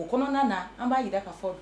O kɔnɔna na an b'a jira ka fɔ